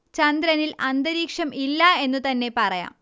ചന്ദ്രനില് അന്തരീക്ഷം ഇല്ല എന്നു തന്നെ പറയാം